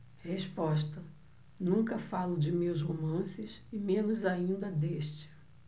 resposta nunca falo de meus romances e menos ainda deste